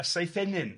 A Saethennin.